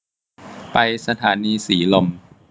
ไปสถานีสีลม